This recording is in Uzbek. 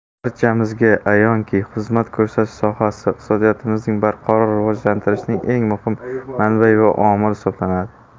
barchamizga ayonki xizmat ko'rsatish sohasi iqtisodiyotimizni barqaror rivojlantirishning eng muhim manbai va omili hisoblanadi